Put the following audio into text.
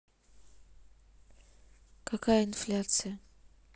какая инфляция